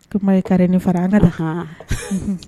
Ko ma ye carré ni fara